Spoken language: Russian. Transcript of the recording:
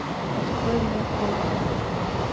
открой мне окко